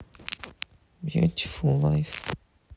бьютифул лайф